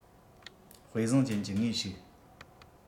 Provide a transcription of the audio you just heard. དཔེ བཟང ཅན གྱི ངོས ཞིག